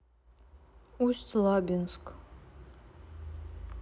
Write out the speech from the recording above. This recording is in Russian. усть лабинск